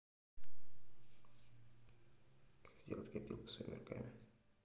как сделать копилку своими руками